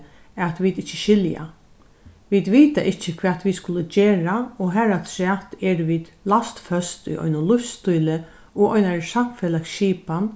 at vit ikki skilja vit vita ikki hvat vit skulu gera og harafturat eru vit læst føst í einum lívsstíli og einari samfelagsskipan